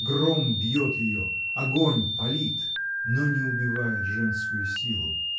Гром бьет ее, огонь палит, но не убивает женскую силу.